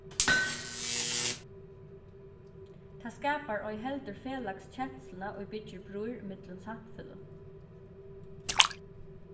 tað skapar ei heldur felags kensluna ið byggir brýr millum samfeløg